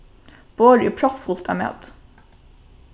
borðið er proppfult av mati